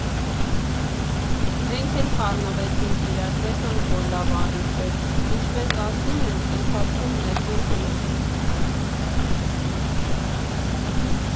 Մենք էլ խառնվեցինք իրար, տեսանք, որ լավ առիթ է, ինչպես ասում են, ընթացքում նետվել գնացք։